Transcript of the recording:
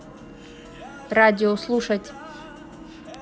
радио слушать